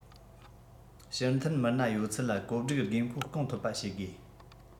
ཕྱིར འཐེན མི སྣ ཡོད ཚད ལ བཀོད སྒྲིག དགོས མཁོ སྐོང ཐུབ པ བྱེད དགོས